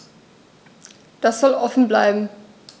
Das soll offen bleiben.